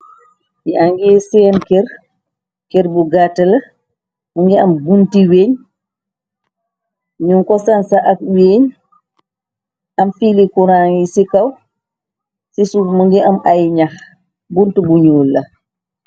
Yangi seen kër, kër bu gattla , mu ngi am bunti weeñ, ñu ko san sa ak weeñ, am fiili kuran yi ci kaw, ci suuf më ngi am ay ñax, bunt bu ñuul la.